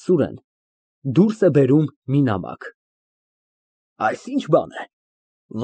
ՍՈՒՐԵՆ ֊ (Դուրս է բերում մի նամակ) Ա՞յս ինչ բան է։